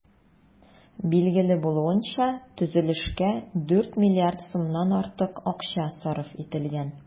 Билгеле булуынча, төзелешкә 4 миллиард сумнан артык акча сарыф ителгән.